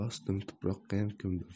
bosdim tuproqqayam ko'mdim